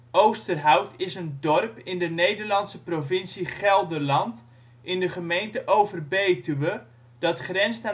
Oosterhout is een dorp in de Nederlandse provincie Gelderland in de gemeente Overbetuwe, dat grenst